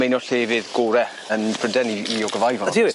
Ma' un o llefydd gore yn Pryden i i ogofáu. Ydi wir?